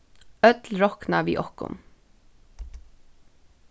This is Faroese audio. øll rokna við okkum